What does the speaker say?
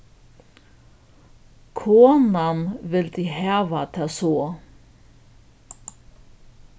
konan vildi hava tað so